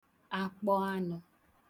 akpọ anụ